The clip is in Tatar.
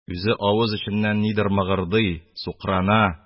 Үзе авыз эченнән нидер мыгырдый, сукрана